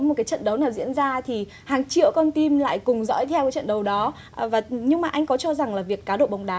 một cái trận đấu nào diễn ra thì hàng triệu con tim lại cùng dõi theo trận đấu đó và nhưng mà anh có cho rằng là việc cá độ bóng đá